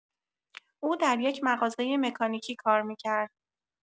او در یک مغازۀ مکانیکی کار می‌کرد.